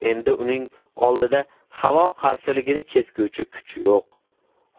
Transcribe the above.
endi uning oldida havo qarshiligini kesguvchi kuch yo'q